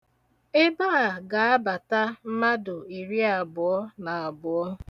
Ebe a ga-abata mmadụ iriabụọ na abụọ.